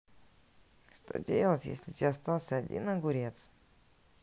что делать если у тебя остался один огурец